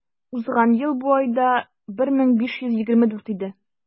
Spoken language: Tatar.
Узган ел бу айда 1524 иде.